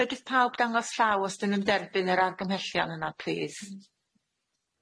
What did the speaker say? Fedrith pawb dangos llaw os dyn ni'm derbyn yr argymhellion yna plîs?